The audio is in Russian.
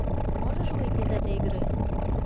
ты можешь выйти из этой игры